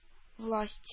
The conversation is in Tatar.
Власть